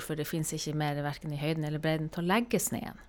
For det fins ikke mer hverken i høyden eller bredden til å legge snøen.